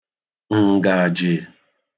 ǹgàjị̀